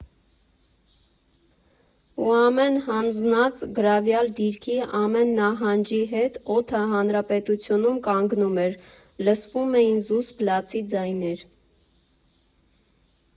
Ու ամեն հանձնած, գրավյալ դիրքի, ամեն նահանջի հետ օդը հանրապետությունում կանգնում էր, լսվում էին զուսպ լացի ձայներ։